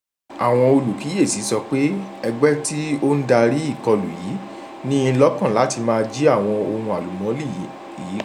Àwọn olùkíyèsí sọ pé ẹgbẹ́ tí ó ń darí ìkọlù yìí ní i lọ́kàn láti máa jí àwọn ohun àlùmọ́nì yìí kó.